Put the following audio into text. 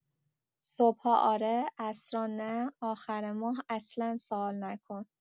صبح‌ها آره، عصرها نه، آخر ماه اصلا سؤال نکن.